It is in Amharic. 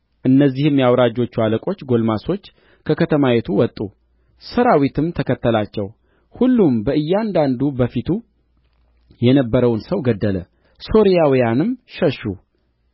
እነዚህም የአውራጆች አለቆች ጕልማሶች ከከተማይቱ ወጡ ሠራዊትም ተከተላቸው ሁሉም በእያንዳንዱ በፊቱ የነበረውን ሰው ገደለ ሶርያውያንም ሸሹ